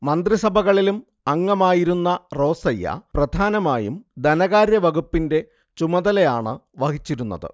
മന്ത്രിസഭകളിലും അംഗമായിരുന്ന റോസയ്യ പ്രധാനമായും ധനകാര്യവകുപ്പിന്റെ ചുമതലയാണ് വഹിച്ചിരുന്നത്